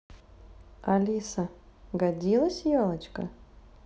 alisa годилась елочка